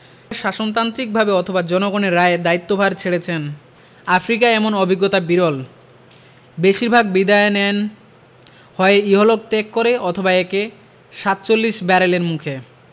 শাসনতান্ত্রিকভাবে অথবা জনগণের রায়ে দায়িত্বভার ছেড়েছেন আফ্রিকায় এমন অভিজ্ঞতা বিরল বেশির ভাগ বিদায় নেন হয় ইহলোক ত্যাগ করে অথবা একে ৪৭ ব্যারেলের মুখে